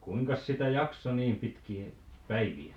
kuinkas sitä jaksoi niin pitkiä päiviä